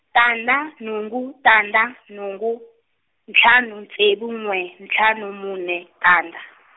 tandza, nhungu tandza nhungu, ntlhanu ntsevu n'we, ntlhanu mune, tandza.